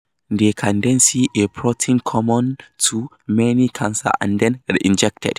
They can then 'see' a protein common to many cancers and then reinjected